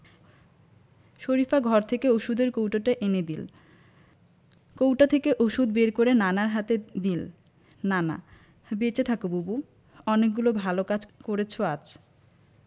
শরিফা ঘর থেকে ঔষধের কৌটোটা এনে দিল কৌটা থেকে ঔষধ বের করে নানার হাতে দিল নানা বেঁচে থাকো বুবু অনেকগুলো ভালো কাজ করেছ আজ